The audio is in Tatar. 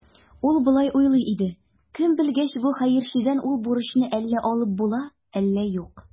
Ул болай уйлый иде: «Кем белгән, бу хәерчедән ул бурычны әллә алып була, әллә юк".